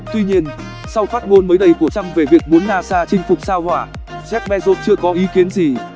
tuy nhiên sau phát ngôn mới đây của trump về việc muốn nasa chinh phục sao hỏa jeff bezos chưa có ý kiến gì